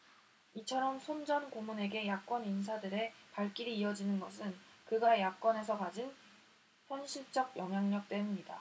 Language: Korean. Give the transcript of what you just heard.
이처럼 손 전 고문에게 야권 인사들의 발길이 이어지는 것은 그가 야권에서 가진 현실적 영향력 때문이다